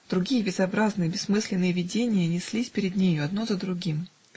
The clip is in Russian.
другие безобразные, бессмысленные видения неслись перед нею одно за другим.